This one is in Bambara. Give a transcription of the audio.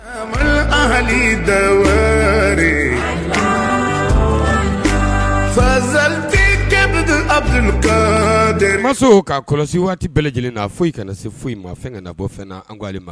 Hali sanzaliti ka den ma ka kɔlɔsi waati bɛɛ lajɛlen na foyi kana se foyi ma fɛn ka na bɔ an k'ale ma